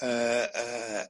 yy yy